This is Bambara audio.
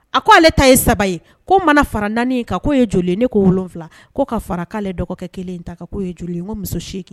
A ko ale ta ye 3 ye k'o mana fara 4 in kan k'o ye joli ye ne ko 7 k'o ka fara k'ale dɔgɔkɛ 1 ta kan k'o ye joli ye ŋo muso 8